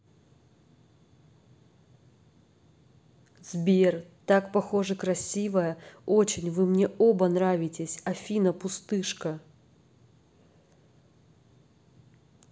сбер так похоже красивая очень вы мне оба нравитесь афина пустышка